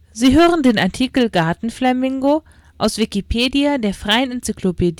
Sie hören den Artikel Gartenflamingo, aus Wikipedia, der freien Enzyklopädie